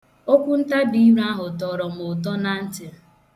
Okwuntabire ahụ tọrọ mụ ụtọ na ntị.